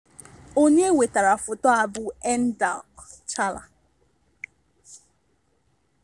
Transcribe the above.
Onye wetara foto a bụ Endalk Chala.